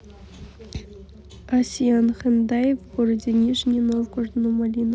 asian хендай в городе нижний новгородна ларина